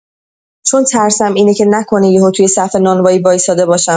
چون ترسم اینه که نکنه یهو توی صف نونوایی وایساده باشم